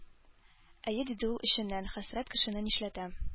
«әйе,— диде ул эченнән,—хәсрәт кешене нишләтә!»